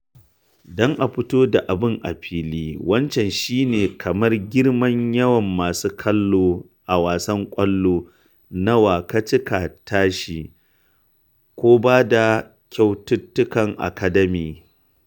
Don a fito da abin a fili, wancan shi ne kamar girman yawan masu kallo a wasan ƙwallo na wa ka ci ka tashi ko ba da Kyaututtukan Academy.